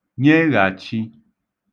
nyeghàchī